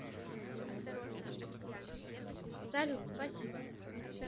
салют спасибо